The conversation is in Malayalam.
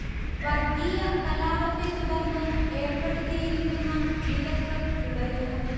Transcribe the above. വർഗീയ കലാപത്തെ തുടർന്ന്ഏർപ്പെടുത്തിയിരിക്കുന്ന വിലക്ക് തുടരുന്നു